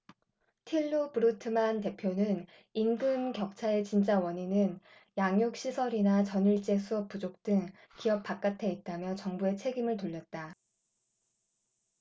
틸로 브로트만 대표는 임금 격차의 진짜 원인은 양육 시설이나 전일제 수업 부족 등 기업 바깥에 있다며 정부에 책임을 돌렸다